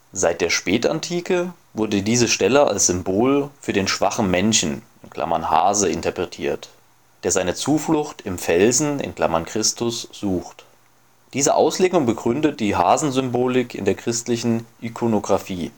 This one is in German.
Seit der Spätantike wurde diese Stelle als Symbol für den schwachen Menschen (Hase) interpretiert, der seine Zuflucht im Felsen (Christus) sucht. Diese Auslegung begründete die Hasensymbolik in der christlichen Ikonographie